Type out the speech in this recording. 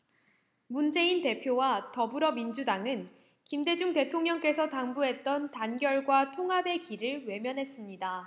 문재인 대표와 더불어민주당은 김대중 대통령께서 당부했던 단결과 통합의 길을 외면했습니다